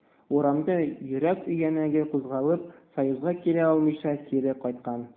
Урамда йөрәк өянәге кузгалып, союзга керә алмыйча, кире кайткан.